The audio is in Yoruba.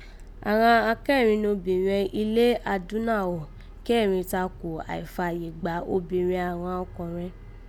Àghan akẹrin nobìnrẹn ilẹ̀ Adúnnàghọ̀ kẹrin takò àìfàyè gbà obìnrẹn àghan ọkọ̀nrẹn